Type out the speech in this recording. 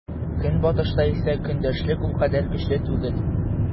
Көнбатышта исә көндәшлек ул кадәр көчле түгел.